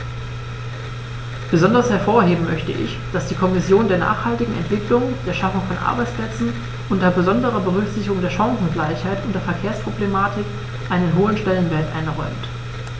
Besonders hervorheben möchte ich, dass die Kommission der nachhaltigen Entwicklung, der Schaffung von Arbeitsplätzen unter besonderer Berücksichtigung der Chancengleichheit und der Verkehrsproblematik einen hohen Stellenwert einräumt.